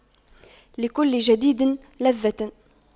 لكل جديد لذة